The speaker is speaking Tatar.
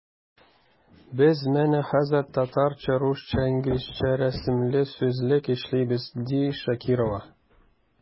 Без менә хәзер “Татарча-русча-инглизчә рәсемле сүзлек” эшлибез, ди Шакирова.